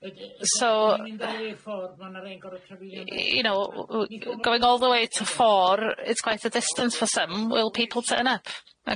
So you know w- w- going all the way to four, it's quite a distance for some, will people turn up?